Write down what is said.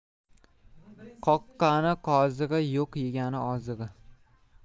qoqqani qozig'i yo'q yegani ozig'i